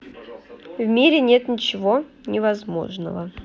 в мире нет ничего не возможно